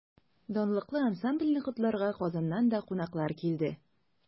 Данлыклы ансамбльне котларга Казаннан да кунаклар килде.